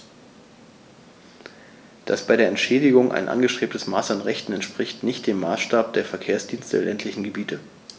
Das bei der Entschädigung angestrebte Maß an Rechten entspricht nicht dem Maßstab der Verkehrsdienste der ländlichen Gebiete.